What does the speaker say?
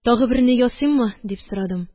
«тагы берне ясыйммы?» – дип сорадым.